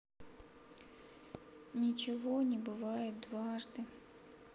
ничего не бывает дважды